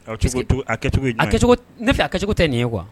A cogo cogo a kacogo ye jumɛn ye, ne fɛ a kɛcogo tɛ nin ye quoi